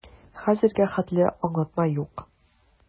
Хәзергә хәтле аңлатма юк.